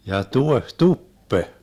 ja tuohituppe